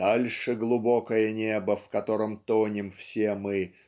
Дальше глубокое небо, в котором тонем все мы